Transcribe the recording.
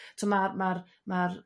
So ma' ma'r ma'r